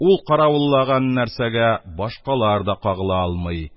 Ул каравыллаган нәрсәгә башкалар да кагыла алмый,